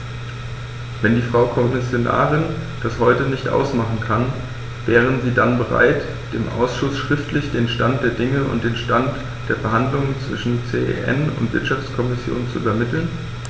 Wenn die Frau Kommissarin das heute nicht machen kann, wäre sie dann bereit, dem Ausschuss schriftlich den Stand der Dinge und den Stand der Verhandlungen zwischen CEN und Wirtschaftskommission zu übermitteln?